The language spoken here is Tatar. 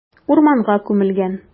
Урманга күмелгән.